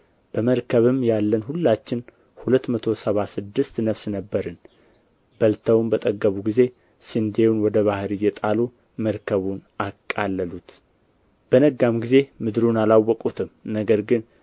በመርከቡም ያለን ሁላችን ሁለት መቶ ሰባ ስድስት ነፍስ ነበርን በልተውም በጠገቡ ጊዜ ስንዴውን ወደ ባሕር እየጣሉ መርከቡን አቃለሉት በነጋም ጊዜ ምድሩን አላወቁትም ነገር ግን